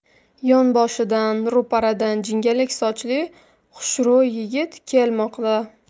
yonboshidan ro'paradan jingalak sochli xushro'y yigit kelmoqda